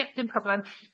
Ie dim problem.